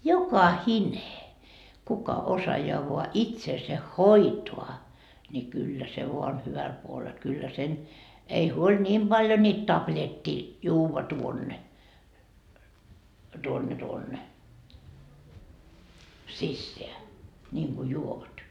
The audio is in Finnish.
jokainen kuka osaa vain itsensä hoitaa niin kyllä se vain on hyvällä puolella kyllä sen ei huoli niin paljon niitä tabletteja juoda tuonne tuonne tuonne sisään niin kuin juovat